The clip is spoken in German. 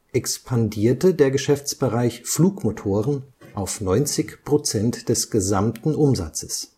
expandierte der Geschäftsbereich Flugmotoren auf 90 Prozent des gesamten Umsatzes